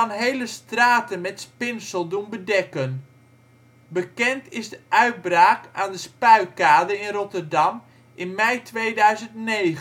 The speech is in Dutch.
hele straten met spinsel doen bedekken. Bekend is de uitbraak aan de Spuikade in Rotterdam in mei 2009